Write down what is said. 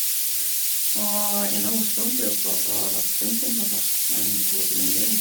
Og innom Oslo en tur for å dra på Springsteen-konsert den to og tjuende juli.